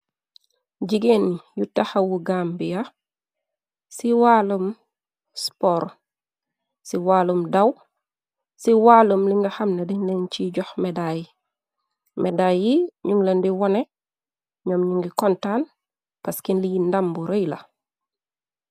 Gigain yu takhawu Gambia, ciii waaloum sport, cii waaloum daw, cii waaloum linga hamneh dengh len chi jokh medai, medai yii njung len dii wohneh, njom nju ngi kontan parceque lii ndam bu reiiy la.